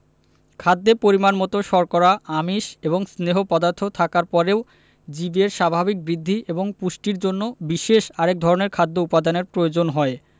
খাদ্যে পরিমাণমতো শর্করা আমিষ এবং স্নেহ পদার্থ থাকার পরেও জীবের স্বাভাবিক বৃদ্ধি এবং পুষ্টির জন্য বিশেষ আরেক ধরনের খাদ্য উপাদানের প্রয়োজন হয়